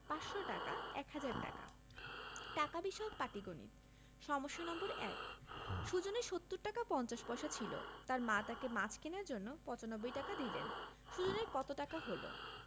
৫০০ টাকা ১০০০ টাকা টাকা বিষয়ক পাটিগনিতঃ সমস্যা নম্বর ১ সুজনের ৭০ টাকা ৫০ পয়সা ছিল তার মা তাকে মাছ কেনার জন্য ৯৫ টাকা দিলেন সুজনের কত টাকা হলো